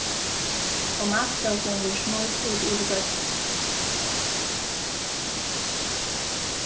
tomatsósin verður smurd út yvir deiggið